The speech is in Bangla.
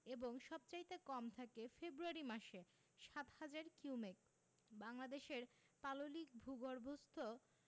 এবং সবচাইতে কম থাকে ফেব্রুয়ারি মাসে ৭হাজার কিউমেক বাংলাদেশের পাললিক ভূগর্ভস্থ